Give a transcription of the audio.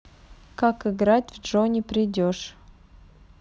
как играть в джонни придеш